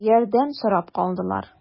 Ярдәм сорап калдылар.